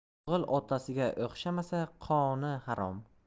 o'g'il otasiga o'xshamasa qoni harom